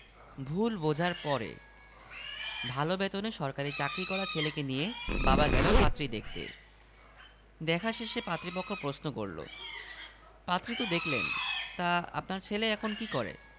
পরে বাবার কাছে পুরো ঘটনা শুনে আফসোস করে বললও বাবা তুমি ছেলে কী করে জিজ্ঞেস করার পর আমি পায়ের ওপর পা তুলে অন্যেরটা খাই এটা বলেছ কেন